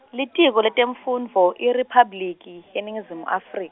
Litiko Letemfundvo, IRiphabliki, yeNingizimu Afri-.